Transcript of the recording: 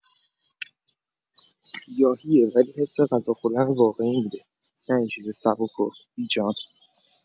گیاهیه، ولی حس غذا خوردن واقعی می‌ده، نه یه چیز سبک و بی‌جان.